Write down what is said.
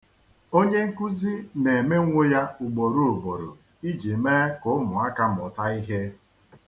Onye nkuzi na-emenwo ya ugboro ugboro iji mee ka ụmụaka mụta ihe.